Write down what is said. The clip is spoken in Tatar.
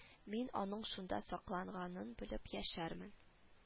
Мин аның шунда сакланганын белеп яшәрмен